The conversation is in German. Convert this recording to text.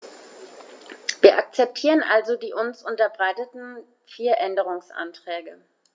Wir akzeptieren also die uns unterbreiteten vier Änderungsanträge.